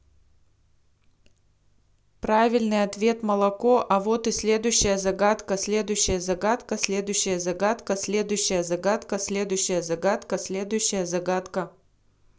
правильный ответ молоко а вот и следующая загадка следующая загадка следующая загадка следующая загадка следующая загадка следующая загадка